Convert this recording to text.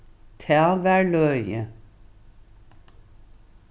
tað var løgið